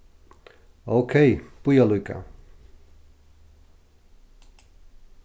ókey bíða líka